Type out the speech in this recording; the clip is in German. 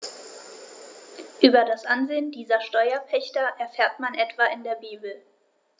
Über das Ansehen dieser Steuerpächter erfährt man etwa in der Bibel.